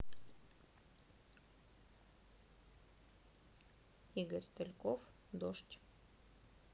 игорь тальков дождь